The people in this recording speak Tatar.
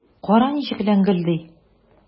Кара, ничек ләңгелди!